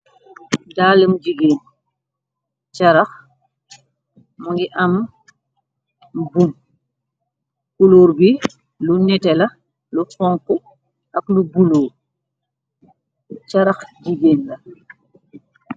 Daalum jigéen charax mu ngi am bu guddu kulóor bi lu nete la lu xonxo ak lu bula charax jigéen la.